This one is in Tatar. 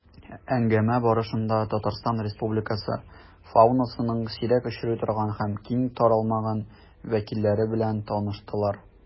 Әңгәмә барышында Татарстан Республикасы фаунасының сирәк очрый торган һәм киң таралмаган вәкилләре белән таныштылар.